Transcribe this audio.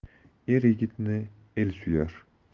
er yigitni el suyar